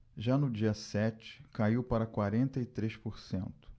já no dia sete caiu para quarenta e três por cento